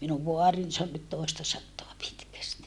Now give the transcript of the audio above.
minun vaarini se on nyt toistasataa pitkästi